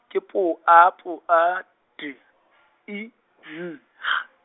ke P A P A, D, I Z G.